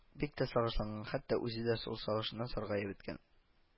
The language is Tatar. Бик тә сагышланган, хәтта үзе дә сул сагышыннан саргаеп беткән